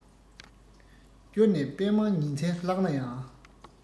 བསྐྱུར ནས དཔེ མང ཉིན མཚན བཀླགས ན ཡང